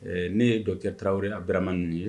Ɛɛ ne ye dɔ kɛra tarawelew a bɛraman ninnu ye